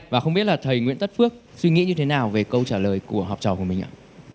và không biết là thấy nguyễn tất phước suy nghĩ như thế nào về câu trả lời của học trò của mình ạ